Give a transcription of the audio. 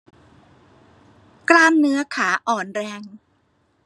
กล้ามเนื้อขาอ่อนแรง